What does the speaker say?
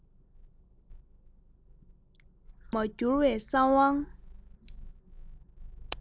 ལྐོག ཏུ མ གྱུར པའི གསང བ